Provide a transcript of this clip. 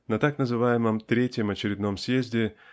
-- на так называемом третьем очередном съезде